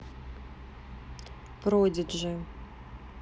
prodigy